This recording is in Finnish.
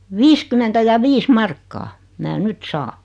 viisikymmentä ja viisi markkaa minä nyt saan